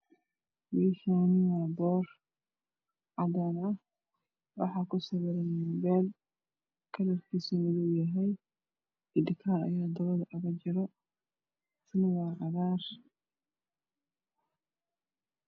Meeshaani waa boor cadaan waxaa ka sawiran kalarkisa madow yahay asna waa cagaar